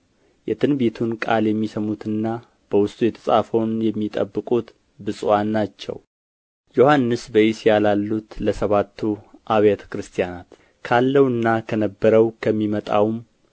የትንቢቱን ቃል የሚሰሙትና በውስጡ የተጻፈውን የሚጠብቁት ብፁዓን ናቸው ዮሐንስ በእስያ ላሉት ለሰባቱ አብያተ ክርስቲያናት ካለውና ከነበረው ከሚመጣውም